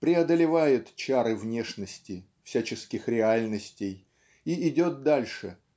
преодолевает чары внешности всяческих реальностей и идет дальше